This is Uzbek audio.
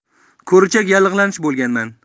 ko'richak yallig'lanishi bo'lganman